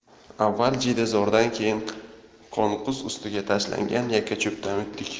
avval jiydazordan keyin qonqus ustiga tashlangan yakkacho'pdan o'tdik